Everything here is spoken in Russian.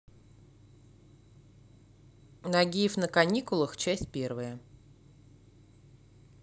нагиев на каникулах часть первая